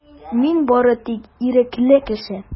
Мин бары тик ирекле кеше.